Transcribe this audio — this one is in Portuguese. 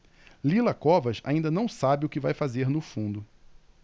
lila covas ainda não sabe o que vai fazer no fundo